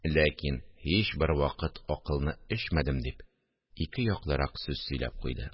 Ләкин һичбер вакыт акылны эчмәдем, – дип, ике яклырак сүз сөйләп куйды